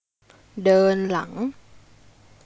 เดินหลัง